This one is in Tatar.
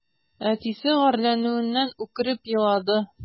Әтисе гарьләнүеннән үкереп елады.